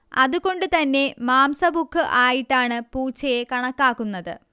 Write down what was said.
അതുകൊണ്ട് തന്നെ മാംസഭുക്ക് ആയിട്ടാണ് പൂച്ചയെ കണക്കാക്കുന്നത്